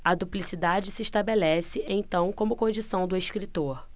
a duplicidade se estabelece então como condição do escritor